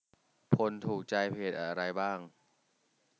พลถูกใจเพจอะไรบ้าง